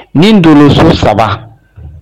Nin doloso saba